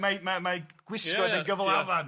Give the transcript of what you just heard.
Mae mae mae gwisgo yn ei gyflafan.